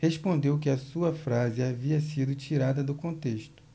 respondeu que a sua frase havia sido tirada do contexto